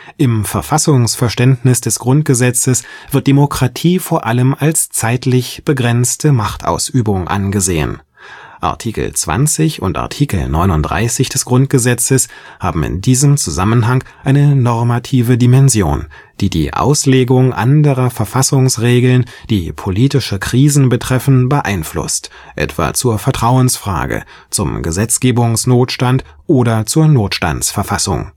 Im Verfassungsverständnis des Grundgesetzes wird Demokratie vor allem als zeitlich begrenzte Machtausübung angesehen; Art. 20 und Art. 39 des Grundgesetzes haben in diesem Zusammenhang eine normative Dimension, die die Auslegung anderer Verfassungsregeln, die politische Krisen betreffen, beeinflusst, etwa zur Vertrauensfrage, zum Gesetzgebungsnotstand oder zur Notstandsverfassung